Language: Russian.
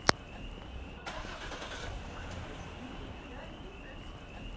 как учатся боксу